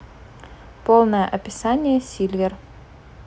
полное описание сильвер